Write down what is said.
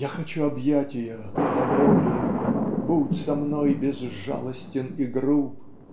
"Я хочу объятия до боли, Будь со мной безжалостен и груб".